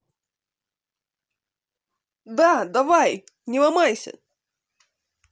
да давай не ломайся